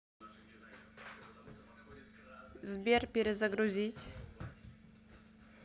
сбер перезагрузить